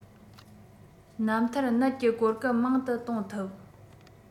རྣམ ཐར ནད ཀྱི གོ སྐབས མང དུ གཏོང ཐུབ